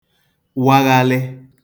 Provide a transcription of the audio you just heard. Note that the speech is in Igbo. waghalị